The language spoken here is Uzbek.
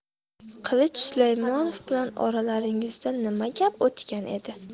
qilich sulaymonov bilan oralaringizda nima gap o'tgan edi